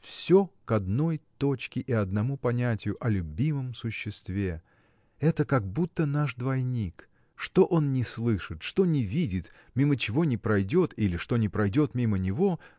– все к одной точке и одному понятию – о любимом существе! Это как будто наш двойник. Что он ни слышит что ни видит мимо чего ни пройдет или что ни пройдет мимо него